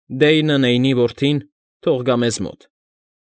Դեյնը՝ Նեյնի որդին, թող գա մեզ մոտ։